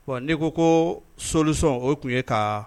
Ne' ko ko solisɔn o tun ye ka